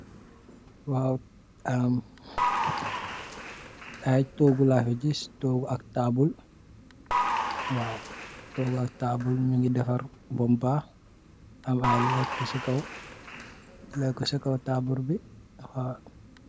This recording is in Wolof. Waaw, am aye toogu laa fi giss toogu ak table. Waaw, toogu ak table, nyu ngi defar bam bahh, am aye leka si kaw, leka si kaw table bi.